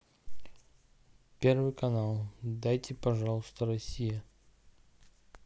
первый канал дайте пожалуйста россия